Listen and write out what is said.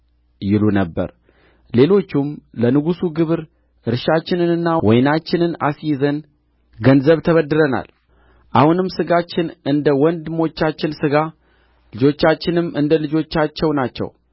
ይሉ ነበር ሌሎቹም ለንጉሡ ግብር እርሻችንንና ወይናችንን አስይዘን ገንዘብ ተበድረናል አሁንም ሥጋችን እንደ ወንድሞቻችን ሥጋ ልጆቻችንም እንደ ልጆቻቸው ናቸው